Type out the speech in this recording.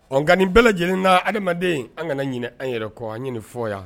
Ɔ nka nin bɛɛ lajɛlen na ale manden an kana ɲin an yɛrɛ kɔ an ɲini fɔ yan